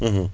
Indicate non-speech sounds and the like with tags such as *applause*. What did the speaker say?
*hesitation* *hesitation*